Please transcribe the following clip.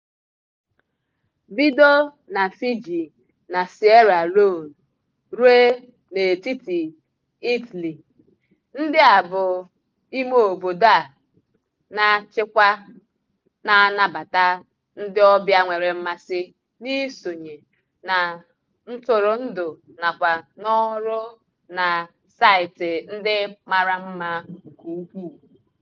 Bido na Fiji na Sierra Leone ruo n'etiti Italy, ndị a bụ imeobodo a na-achịkwa na-anabata ndị ọbịa nwere mmasị n'isonye na ntụrụndụ nakwa n'ọrụ na saịtị ndị mara mma nke ukwuu.